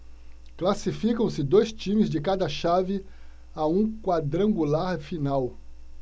classificam-se dois times de cada chave a um quadrangular final